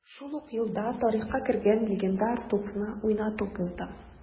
Шул ук елда тарихка кергән легендар тупны уйнату булды: